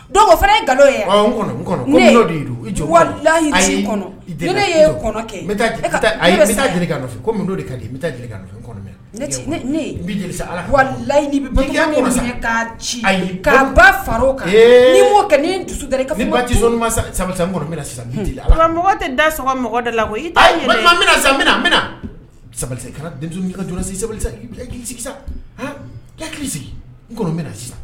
Dɔw fana ye nkalonlo ye donyi ne taa nɔfɛ n bɛ ala layi ci fara kan dusu tɛ da saba mɔgɔ de la i sa kana ka n bɛna sisan